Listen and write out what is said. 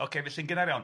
ocê felly'n gynhar iawn.